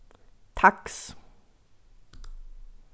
taks